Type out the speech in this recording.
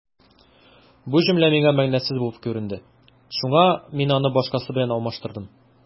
Бу җөмлә миңа мәгънәсез булып күренде, шуңа мин аны башкасы белән алмаштырдым.